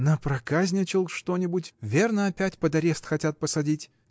— Напроказничал что-нибудь: верно, опять под арест хотят посадить?